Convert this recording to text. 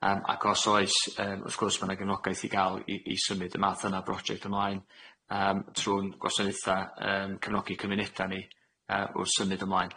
Yym ac os oes yym wrth gwrs ma' 'na gefnogaeth i ga'l i i symud y math yna o broject ymlaen yym trw'n gwasanaetha yym cefnogi cymuneda ni yy wrth symud ymlaen.